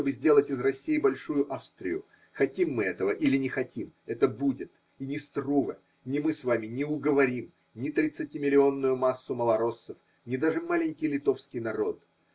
чтобы сделать из России большую Австрию: хотим мы этого или не хотим, это будет, и ни Струве, ни мы с вами не уговорим ни тридцатимиллионную массу малороссов, ни даже маленький литовский народ.